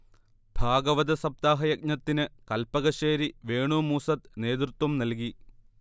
ഭാഗവതസപ്താഹ യജ്ഞത്തിന് കല്പകശ്ശേരി വേണു മൂസ്സത് നേതൃത്വം നൽകി